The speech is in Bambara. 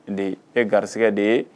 Ɛ garisɛgɛ de ye